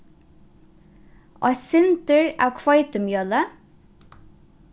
eitt sindur av hveitimjøli